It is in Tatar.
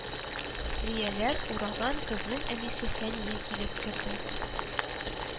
Рияләр ураган, кызның әнисе – фәния килеп керде